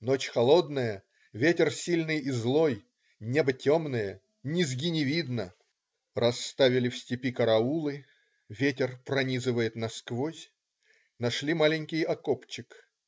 Ночь холодная, ветер сильный и злой, небо темное, ни зги не видно. Расставили в степи караулы. Ветер пронизывает насквозь. Нашли маленький окопчик.